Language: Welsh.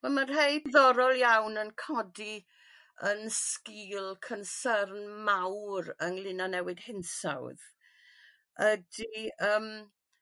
Wel ma' rhei diddorol iawn yn codi yn sgil cynsyrn mawr ynglŷn â newid hinsawdd ydi ym